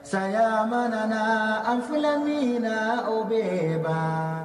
Saya nana an filɛ min na o bɛ bara